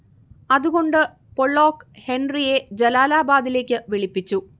അതുകൊണ്ട് പൊള്ളോക്ക് ഹെൻറിയെ ജലാലാബാദിലേക്ക് വിളിപ്പിച്ചു